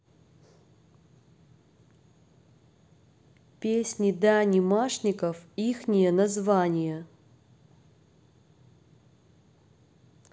песни дани машников ихнее название